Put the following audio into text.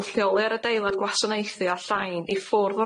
Wrth leoli ar adeilad gwasanaethu a llai i ffwrdd